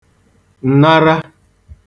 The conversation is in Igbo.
ǹnara